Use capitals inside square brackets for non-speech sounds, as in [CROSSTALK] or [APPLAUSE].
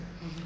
[HESITATION] [HESITATION]